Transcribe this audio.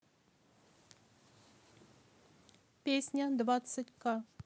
песня двадцать ка